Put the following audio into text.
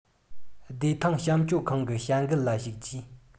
བདེ ཐང བྱམས སྐྱོང ཁང གི བྱ འགུལ ལ ཞུགས རྗེས